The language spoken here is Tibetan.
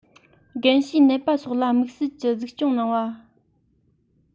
རྒན བྱིས ནད པ སོགས ལ དམིགས བསལ གྱི གཟིགས སྐྱོང གནང བ